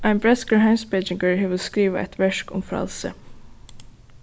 ein bretskur heimspekingur hevur skrivað eitt verk um frælsi